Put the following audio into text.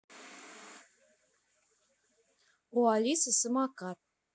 у алисы самокат